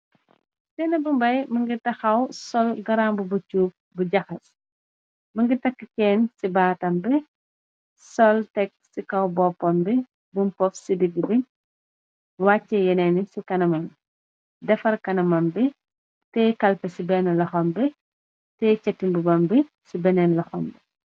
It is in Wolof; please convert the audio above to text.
sainabu mbay ma ngi taxaw sol garamb buccuub bu jaxas më ngi takkceen ci baatam bi sol tekk ci kaw boppoon bi bumpof ci digg bi wàcce yeneeni ci kanamambi defar kanamam bi te kalpe ci benn loxom bi te ceti mbubam bi ci benneen loxom bi